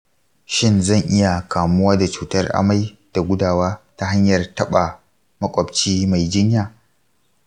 shin zan iya kamuwa da cutar amai da gudawa ta hanyar taɓa maƙwabci mai jinya?